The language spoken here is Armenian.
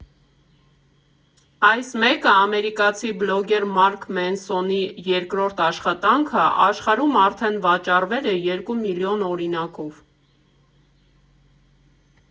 Այս մեկը՝ ամերիկացի բլոգեր Մարկ Մենսոնի երկրորդ աշխատանքը, աշխարհում արդեն վաճառվել է երկու միլիոն օրինակով։